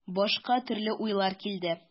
Башка төрле уйлар килде.